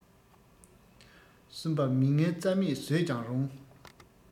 གསུམ པ མི ངན རྩ མེད བཟོས ཀྱང རུང